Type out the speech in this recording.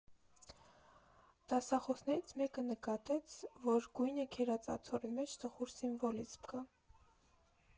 Դասախոսներից մեկը նկատեց, որ գույնը քերած աթոռի մեջ տխուր սիմվոլիզմ կա.